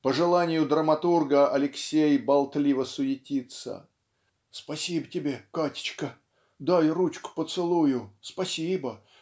по желанию драматурга, Алексей болтливо суетится "Спасибо тебе, Катечка. Дай ручку поцелую. Спасибо.